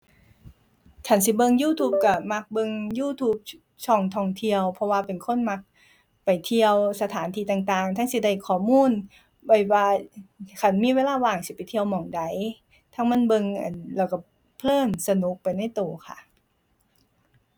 คันสิเบิ่ง YouTube ก็มักเบิ่ง YouTube ชะ ช่องท่องเที่ยว เพราะว่าเป็นคนมักไปเที่ยวสถานที่ต่างต่าง ทั้งสิได้ข้อมูลไว้ว่า คันมีเวลาว่างสิไปเที่ยวหม้องใด ทั้งมันเบิ่ง อั่น แล้วก็เพลิน สนุกไปในก็ค่ะ